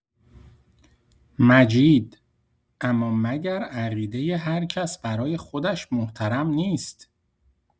مجید: اما مگر عقیدۀ هر کس برای خودش محترم نیست؟